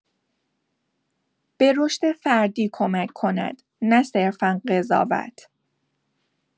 به رشد فردی کمک کند، نه صرفا قضاوت!